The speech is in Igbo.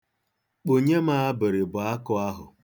Kponye m abụrịbụ akụ ahụ.